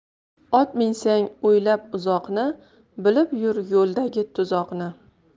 ot minsang o'ylab uzoqni bilib yur yo'ldagi tuzoqni